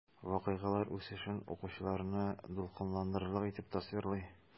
Вакыйгалар үсешен укучыларны дулкынландырырлык итеп тасвирлый.